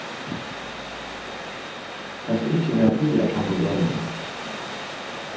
tað skal ikki verða taðað fram við vegnum